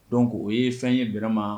Donc o ye fɛn ye vraiment